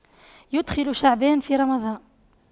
يُدْخِلُ شعبان في رمضان